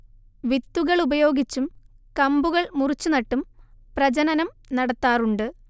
വിത്തുകളുപയോഗിച്ചും കമ്പുകൾ മുറിച്ചു നട്ടും പ്രജനനം നടത്താറുണ്ട്